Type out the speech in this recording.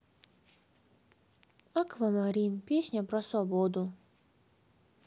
аквамарин песня про свободу